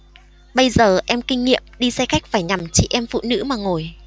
bây giờ em kinh nghiệm đi xe khách phải nhằm chị em phụ nữ mà ngồi